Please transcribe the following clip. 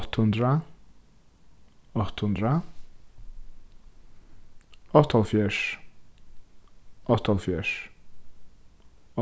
átta hundrað átta hundrað áttaoghálvfjerðs áttaoghálvfjerðs